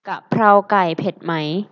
กะเพราไก่เผ็ดไหม